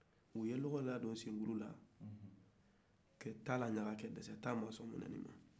u ye lɔgɔ don gakulu la ka tasuma ɲaga tasuma ma sɔn ka ɲaga